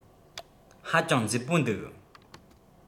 ཧ ཅང མཛེས པོ འདུག